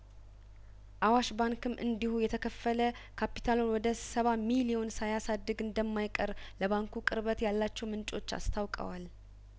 አዋሽ ባንክም እንዲሁ የተከፈለካፒታሉን ወደ ሰባ ሚሊዮን ሳያሳድግ እንደማይቀር ለባንኩ ቅርበት ያላቸው ምንጮች አስታውቀዋል